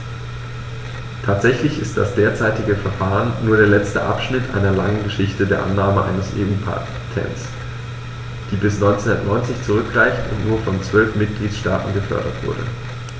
Tatsächlich ist das derzeitige Verfahren nur der letzte Abschnitt einer langen Geschichte der Annahme eines EU-Patents, die bis 1990 zurückreicht und nur von zwölf Mitgliedstaaten gefordert wurde.